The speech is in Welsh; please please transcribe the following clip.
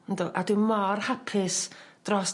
Yndw a dwi mor hapus dros...